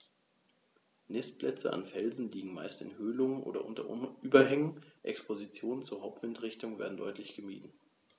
Nistplätze an Felsen liegen meist in Höhlungen oder unter Überhängen, Expositionen zur Hauptwindrichtung werden deutlich gemieden.